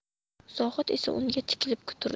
zohid esa unga tikilib turdi